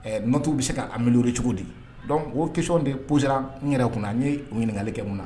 Motuw bɛ se ka a miri cogo di dɔn o kicon de psera n yɛrɛ kunna a ye ɲininkali kɛ mun na